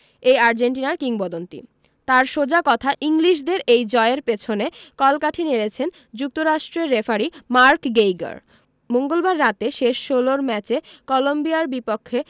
এই আর্জেন্টাইন কিংবদন্তি তাঁর সোজা কথা ইংলিশদের এই জয়ের পেছনে কলকাঠি নেড়েছেন যুক্তরাষ্ট্রের রেফারি মার্ক গেইগার মঙ্গলবার রাতে শেষ ষোলোর ম্যাচে কলম্বিয়ার বিপক্ষে